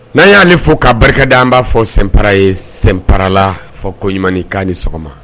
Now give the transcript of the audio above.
N'an y'ale fo k'a barikada an b'a fɔ sen para ye sen parala fɔ ko ɲumankan ni sɔgɔma